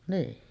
niin